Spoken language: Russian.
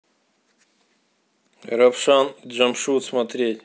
равшан и джамшут смотреть